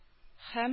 Һәм